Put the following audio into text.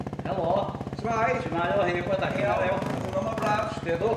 Helo! Shwmae? Shwmae o heddiw 'da chi'n o-lew? Ar ddiwrno mor braf! Steddwch.